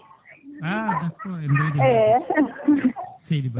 an seydi Ba